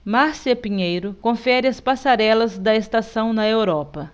márcia pinheiro confere as passarelas da estação na europa